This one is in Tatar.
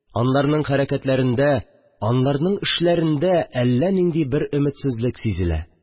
Анларның хәрәкәтләрендә, анларның эшләрендә әллә нинди бер өметсезлек сизелә